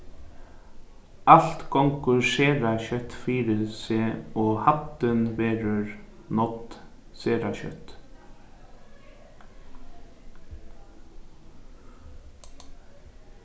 alt gongur sera skjótt fyri seg og hæddin verður nádd sera skjótt